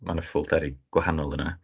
'Ma 'na ffolderi gwahanol yna.